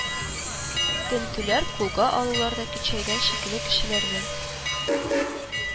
Тентүләр, кулга алулар да көчәйгән, шикле кешеләрне